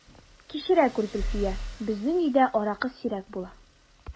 Кичерә күр, Зөлфия, безнең өйдә аракы сирәк була...